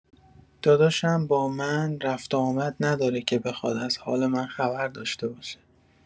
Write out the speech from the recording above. داداشم با من رفت آمد نداره که بخواد از حال من خبر داشته باشه!